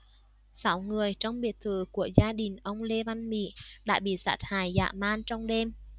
sáu người trong biệt thự của gia đình ông lê văn mỹ đã bị sát hại dã man trong đêm